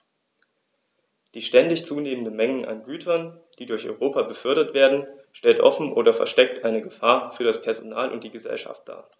Die ständig zunehmende Menge an Gütern, die durch Europa befördert werden, stellt offen oder versteckt eine Gefahr für das Personal und die Gesellschaft dar.